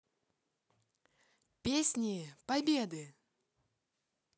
песни победы